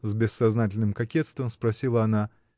— с бессознательным кокетством спросила она.